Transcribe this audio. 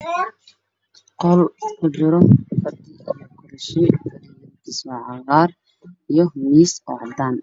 Qol kujiro fadhi iyo kobashiin iyo miis oo cadaan ah